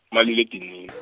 malile edinini.